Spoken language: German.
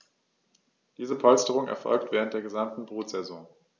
Diese Polsterung erfolgt während der gesamten Brutsaison.